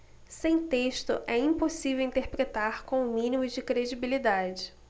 sem texto é impossível interpretar com o mínimo de credibilidade